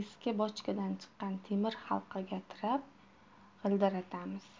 eski bochkadan chiqqan temir halqaga tirab g'ildiratamiz